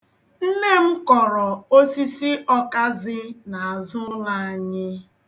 Ọkazị bụ akwụkwọnri na-agalaọnụ n'ahịa obodo m.